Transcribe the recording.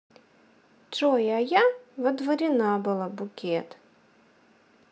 джой а я водворена была букет